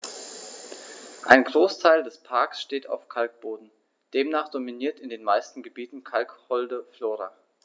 Ein Großteil des Parks steht auf Kalkboden, demnach dominiert in den meisten Gebieten kalkholde Flora.